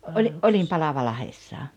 - olin Palavalahdessa